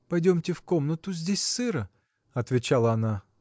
– Пойдемте в комнату: здесь сыро, – отвечала она.